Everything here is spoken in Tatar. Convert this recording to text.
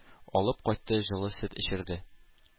Алып кайтты, җылы сөт эчерде,